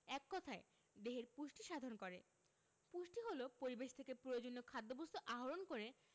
এক কথায় দেহের পুষ্টি সাধন করে পুষ্টি হলো পরিবেশ থেকে প্রয়োজনীয় খাদ্যবস্তু আহরণ করে